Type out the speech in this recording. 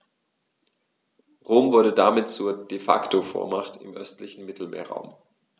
Rom wurde damit zur ‚De-Facto-Vormacht‘ im östlichen Mittelmeerraum.